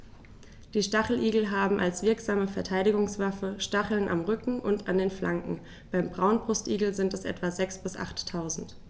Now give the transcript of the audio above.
Die Stacheligel haben als wirksame Verteidigungswaffe Stacheln am Rücken und an den Flanken (beim Braunbrustigel sind es etwa sechs- bis achttausend).